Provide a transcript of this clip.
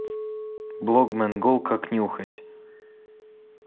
blogman гол как нюхать